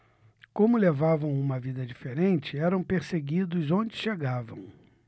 como levavam uma vida diferente eram perseguidos onde chegavam